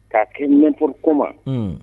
K'a kɛ mɛnporo koma